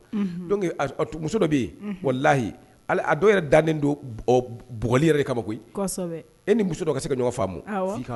Unhun Donc muso dɔw be yen Unhun walayi , a dɔw yɛrɛ dalen don bugɔli yɛrɛ de kama koyi. Kɔsobɛ yani i ni muso dɔ ka se ka ɲɔgɔn famu awɔ fi ka